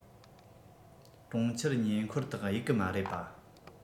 གྲོང ཁྱེར ཉེ འཁོར དག གཡུགས གི མ རེད པཱ